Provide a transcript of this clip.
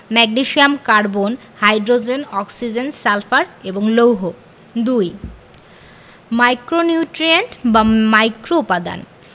magnesium carbon hydrogen oxygen sulphur এবং লৌহ ২ micronutrient বা মাইক্রোউপাদান